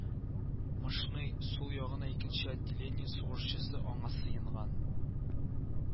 Мышный, сул ягына икенче отделение сугышчысы аңа сыенган